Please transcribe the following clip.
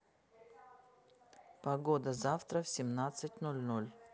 погода завтра в семнадцать ноль ноль